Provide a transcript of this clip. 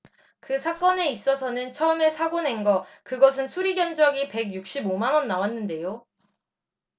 그 사건에 있어서는 처음에 사고 낸 거 그것은 수리 견적이 백 육십 오 만 원 나왔는데요